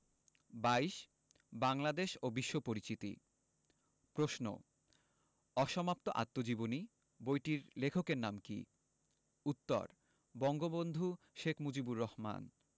২২ বাংলাদেশ ও বিশ্ব পরিচিতি প্রশ্ন অসমাপ্ত আত্মজীবনী বইটির লেখকের নাম কী উত্তর বঙ্গবন্ধু শেখ মুজিবুর রহমান